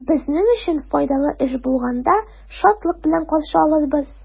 Безнең өчен файдалы эш булганда, шатлык белән каршы алырбыз.